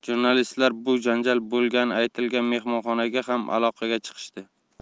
jurnalistlar bu janjal bo'lgani aytilgan mehmonxonaga ham aloqaga chiqishdi